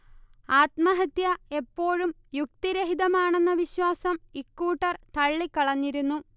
ആത്മഹത്യ എപ്പോഴും യുക്തിരഹിതമാണെന്ന വിശ്വാസം ഇക്കൂട്ടർ തള്ളിക്കളഞ്ഞിരുന്നു